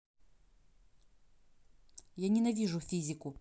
я ненавижу физику